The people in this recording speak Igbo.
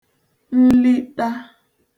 nliṭa